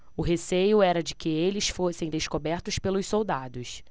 o receio era de que eles fossem descobertos pelos soldados